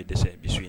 I dɛsɛ se bi ye